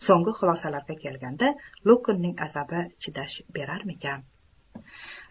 so'nggi xulosalarga kelganda luknning asabi chidash bermadimikin